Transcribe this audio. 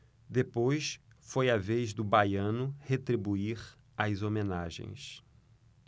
depois foi a vez do baiano retribuir as homenagens